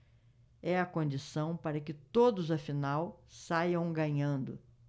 é a condição para que todos afinal saiam ganhando